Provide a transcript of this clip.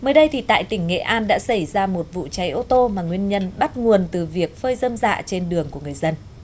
mới đây thì tại tỉnh nghệ an đã xảy ra một vụ cháy ô tô mà nguyên nhân bắt nguồn từ việc phơi rơm rạ trên đường của người dân